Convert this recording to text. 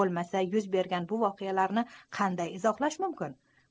bo'lmasa yuz bergan bu voqealarni qanday izohlash mumkin